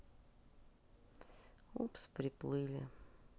упс приплыли